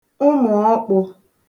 ụmụ̀ọkpụ̄